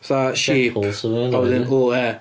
Fatha sheep... Sheple 'sa fo wedyn ia?... Wedyn l e.